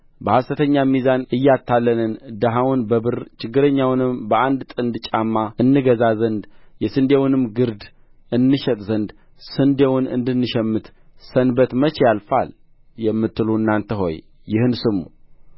በሐሰተኛም ሚዛን እያታለልን ድሀውን በብር ችጋረኛውንም በአንድ ጥንድ ጫማ እንገዛ ዘንድ የስንዴውን ግርድ እንሸጥ ዘንድ ስንዴውን እንድንሸምት ሰንበት መቼ ያልፋል የምትሉ እናንተ ሆይ ይህን ስሙ